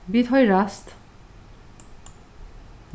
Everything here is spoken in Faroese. vit hoyrast